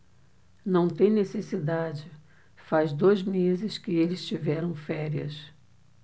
não tem necessidade faz dois meses que eles tiveram férias